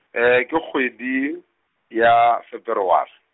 ke kgwedi, ya Feberware.